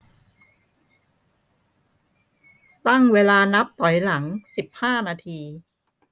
ตั้งเวลานับถอยหลังสิบห้านาที